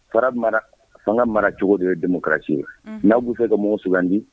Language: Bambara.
Fara mara fanga mara cogo de ye dɛmɛkarasi ye n'aw bɛ fɛ ka mun sugandi